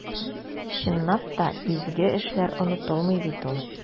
Чынлап та, изге эшләр онытылмый бит ул.